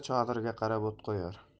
chodiriga qarab ot qo'yar